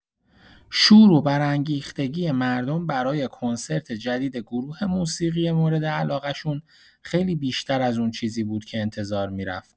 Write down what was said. شور و برانگیختگی مردم برای کنسرت جدید گروه موسیقی مورد علاقه‌شون خیلی بیشتر از اون چیزی بود که انتظار می‌رفت.